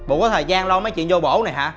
bộ có thời gian lo mấy chuyện vô bổ này hả